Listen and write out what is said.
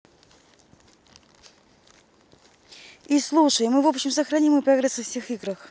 и слушай мы в общем сохрани мой прогресс во всех играх